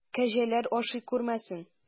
Кәҗәләр ашый күрмәсен!